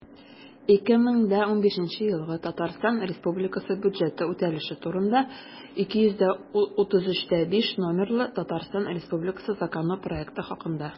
«2015 елгы татарстан республикасы бюджеты үтәлеше турында» 233-5 номерлы татарстан республикасы законы проекты хакында